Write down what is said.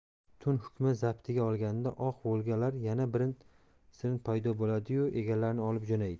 tun hukmi zaptiga olganida oq volga lar yana birin sirin paydo bo'ladiyu egalarini olib jo'naydi